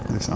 ndeysaan